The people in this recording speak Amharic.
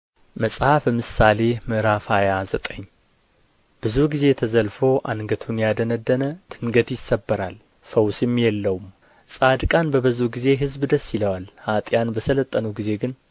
መጽሐፈ ምሳሌ ምዕራፍ ሃያ ዘጠኝ ብዙ ጊዜ ተዘልፎ አንገቱን ያደነደነ ድንገት ይሰበራል ፈውስም የለውም ጻድቃን በበዙ ጊዜ ሕዝብ ደስ ይለዋል ኀጥኣን በሠለጠኑ ጊዜ ግን